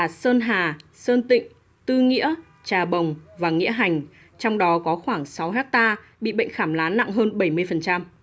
sơn hà sơn tịnh tư nghĩa trà bồng và nghĩa hành trong đó có khoảng sáu héc ta bị bệnh khảm lá nặng hơn bảy mươi phần trăm